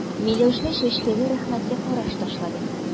Миләүшә Чәчкәгә рәхмәтле караш ташлады.